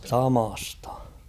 samasta